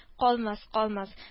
- калмас-калмас